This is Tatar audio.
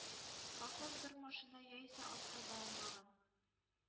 Колхоз бер машина яисә ат таба алмаган...